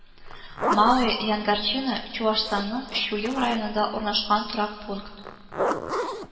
Малое Янгорчино Чуашстанның Чуел районында урнашкан торак пункт